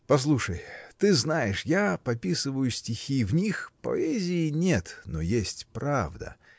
Послушай, ты знаешь, я пописываю стихи; в них поэзии нет, но есть правда.